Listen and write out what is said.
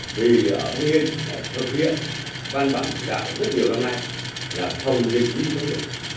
vì ở hưng yên là thực hiện văn bản chỉ đạo rất nhiều năm nay là phòng dịch như chống dịch